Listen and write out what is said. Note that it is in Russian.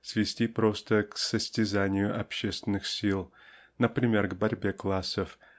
свести просто к состязанию общественных сил например к борьбе классов